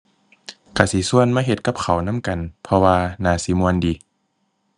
ก็สิก็มาเฮ็ดกับข้าวนำกัน เพราะว่าน่าสิม่วนดี